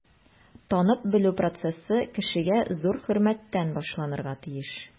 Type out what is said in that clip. Танып-белү процессы кешегә зур хөрмәттән башланырга тиеш.